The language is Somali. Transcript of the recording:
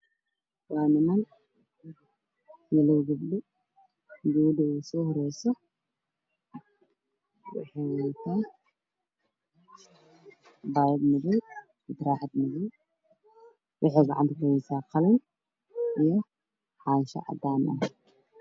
Waa xaflad waxa ii muuqda niman iyo naago fara badan wataan abaayado madow